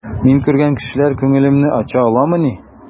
Мин күргән кешеләр күңелемне ача аламыни?